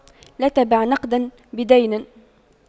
لا تبع نقداً بدين